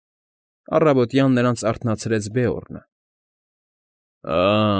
Առավոտյան նրանց արթնացրեց Բեորնը։ ֊